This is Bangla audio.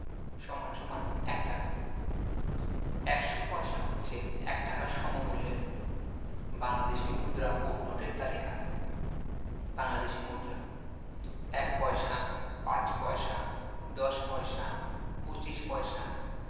= ১ টাকা ১০০ পয়সা হচ্ছে ১ টাকার সমমূল্যের বাংলাদেশি মুদ্রা ও নোটের তালিকাঃ বাংলাদেশি মুদ্রাঃ ১ পয়সা ৫ পয়সা ১০ পয়সা ২৫ পয়সা